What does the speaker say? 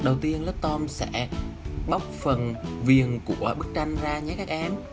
đầu tiên love tom sẽ bóc phần viền của bức tranh ra nhé các em